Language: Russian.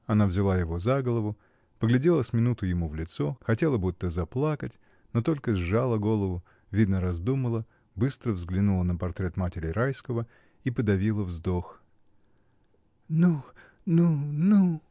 Она взяла его за голову, поглядела с минуту ему в лицо, хотела будто заплакать, но только сжала голову, видно раздумала, быстро взглянула на портрет матери Райского и подавила вздох. — Ну, ну, ну.